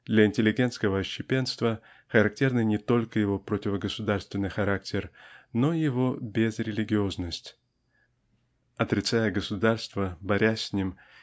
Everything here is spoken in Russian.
Для интеллигентского отщепенства характерны не только его противогосударственный характер но и его безрелигиозность. Отрицая государство борясь с ним